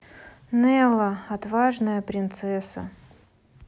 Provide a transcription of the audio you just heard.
нелла отважная принцесса